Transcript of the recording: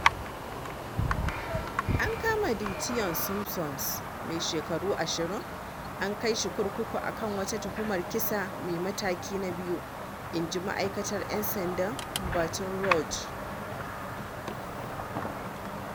An kama Dyteon Simpson, mai shekaru 20 kuma an kai shi kurkuku a kan wata tuhumar kisa mai mataki na biyu, inji Ma’aikatar ‘Yan Sandan Baton Rouge.